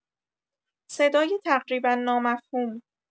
صدای تقریبا نامفهوم